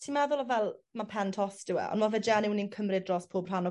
ti'n meddwl o fel ma' pen tost yw e on' ma' fe genuinely yn cymryd dros pob rhan o